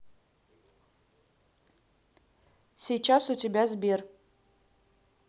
сейчас у тебя сбер